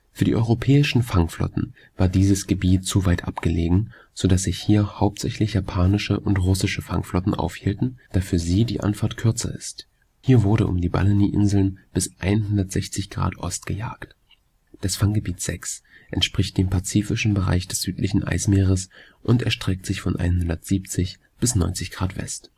die europäischen Fangflotten war dieses Gebiet zu weit abgelegen, so dass sich hier hauptsächlich japanische und russische Fangflotten aufhielten, da für sie die Anfahrt kürzer ist. Hier wurde um die Balleny-Inseln bis 160° Ost gejagt. Das Fanggebiet VI entspricht dem pazifischen Bereichs des südlichen Eismeeres und erstreckt sich von 170° bis 90° West